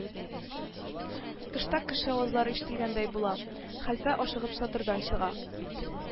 Тышта кеше авазлары ишетелгәндәй була, хәлфә ашыгып чатырдан чыга